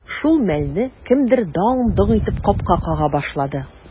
Шул мәлне кемдер даң-доң итеп капка кага башлады.